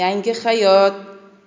yangi hayot